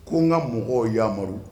Ko n ka mɔgɔw o ya amadu